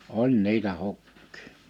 oli niitä hukkia